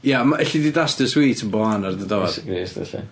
Ia, mo- alli di dastio sweet yn bob man ar dy dafod... Iesu Grist alli.